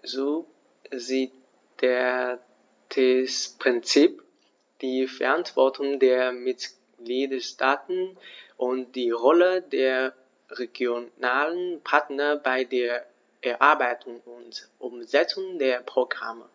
Subsidiaritätsprinzip, die Verantwortung der Mitgliedstaaten und die Rolle der regionalen Partner bei der Erarbeitung und Umsetzung der Programme.